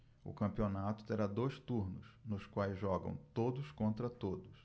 o campeonato terá dois turnos nos quais jogam todos contra todos